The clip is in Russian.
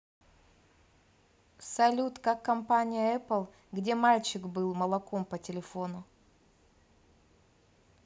салют как компания apple где мальчик был молоком по телефону